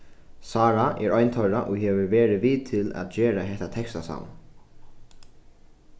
sára er ein teirra ið hevur verið við til at gera hetta tekstasavn